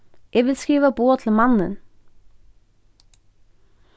eg vil skriva boð til mannin